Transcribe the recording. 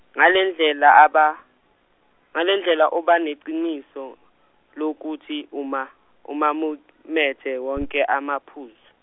ngalendlela aba- ngalendlela obaneqiniso, lokuthi uma uwamumethe wonke amaphuzu.